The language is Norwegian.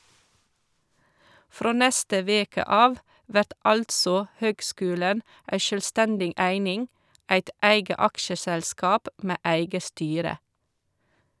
Frå neste veke av vert altså høgskulen ei sjølvstendig eining, eit eige aksjeselskap med eige styre.